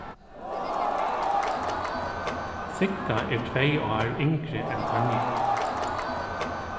sigga er tvey ár yngri enn tanja